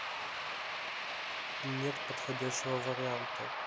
нет подходящего варианта